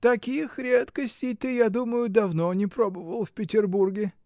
— Таких редкостей ты, я думаю, давно не пробовал в Петербурге.